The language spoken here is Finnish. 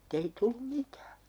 mutta ei tullut mitään